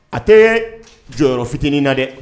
A tɛ jɔyɔrɔyɔrɔ fitinin na dɛ